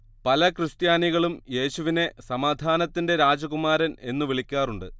പല ക്രിസ്ത്യാനികളും യേശുവിനെ സമാധാനത്തിന്റെ രാജകുമാരൻ എന്നു വിളിക്കാറുണ്ട്